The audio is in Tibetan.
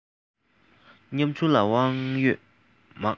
སྙོམས ཆུང ལ དབང ཡོད མང